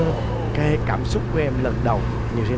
cái cảm xúc của em lần đầu như thế